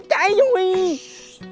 cháy rùi